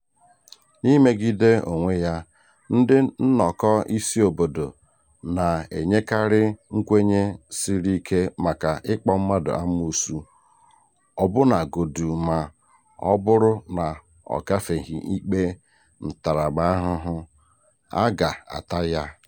N'imegide onwe ya, ndị nnọkọ isi obodo na-enyekarị nkwenye siri ike maka ịkpọ mmadụ amoosu ọbụnagodu ma ọ bụrụ na o gafeghị ikpe ntaramahụhụ a ga-ata ya.